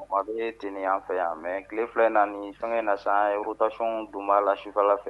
O ale bɛ ten de an fɛ yan mais tile filɛ in na nin fɛnkɛ in na sisan rotation don na la sufɛla fɛ